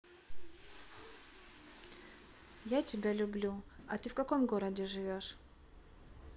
я тебя люблю а ты в каком городе живешь